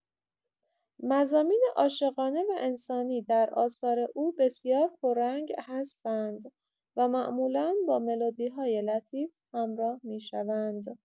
مضامین عاشقانه و انسانی در آثار او بسیار پررنگ هستند و معمولا با ملودی‌های لطیف همراه می‌شوند.